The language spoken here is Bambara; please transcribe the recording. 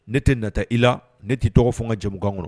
Ne tɛ nata i la ne tɛ tɔgɔ fɔ ka jamugan kɔnɔ